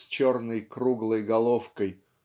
с черной круглой головкой